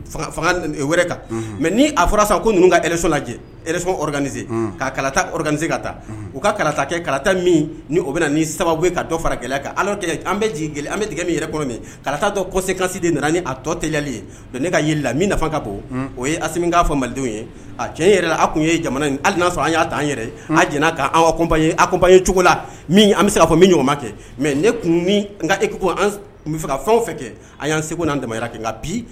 Kan mɛ n' a fɔra sa ko ninnu kaso lajɛse kainse ka ta u ka kala kɛ kala min ni bɛ ni sababu ka fara gɛlɛya kan an bɛ an bɛ tigɛ min yɛrɛ kɔnɔ karata dɔn kɔ se kansi de nana ni a tɔtɛli ye ne ka' la min nafa ka bon o ye a k'a fɔ malidenw ye a tiɲɛ yɛrɛ la a tun ye jamana hali n'a sɔrɔ an y'a'an yɛrɛ a j' ko ba ye cogo la an bɛ se k' fɔ min ɲɔgɔn kɛ mɛ ne tun ni eko an bɛ fɛ ka fɛn fɛ kɛ a y'an segu n' dama kɛ bi